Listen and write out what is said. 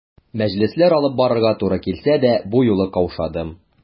Мәҗлесләр алып барырга туры килсә дә, бу юлы каушадым.